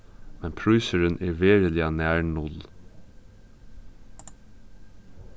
men prísurin er veruliga nær null